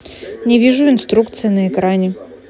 не вижу инструкции на экране